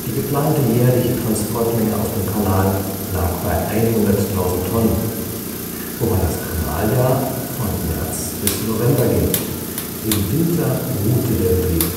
geplante jährliche Transportmenge auf dem Kanal lag bei 100.000 Tonnen, wobei das Kanaljahr von März bis November ging, im Winter ruhte der Betrieb